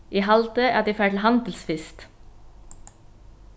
eg haldi at eg fari til handils fyrst